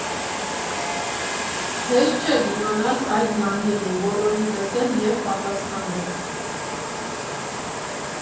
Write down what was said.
Հեշտ չէ դիմանալ այդ զանգերին, բոլորին լսել և պատասխանել։